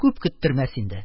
Күп көттермәс инде: